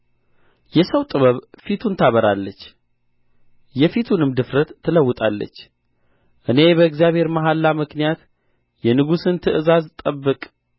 የሰው ጥበብ ፊቱን ታበራለች የፊቱንም ድፍረት ትለውጣለች እኔ በእግዚአብሔር መሐላ ምክንያት የንጉሥን ትእዛዝ ጠብቅ